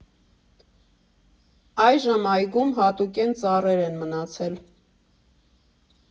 Այժմ այգում հատուկենտ ծառեր են մնացել։